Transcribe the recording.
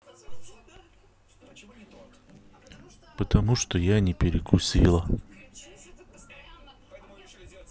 потому что я не перекусила